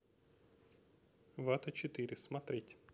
вата четыре смотреть